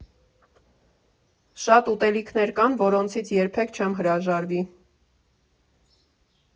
Շատ ուտելիքներ կան, որոնցից երբեք չեմ հրաժարվի։